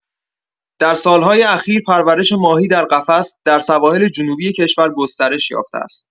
در سال‌های اخیر پرورش ماهی در قفس در سواحل جنوبی کشور گسترش یافته است.